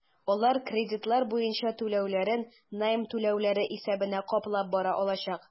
Алар кредитлар буенча түләүләрен найм түләүләре исәбенә каплап бара алачак.